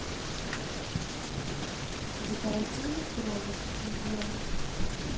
декоративный кролик видео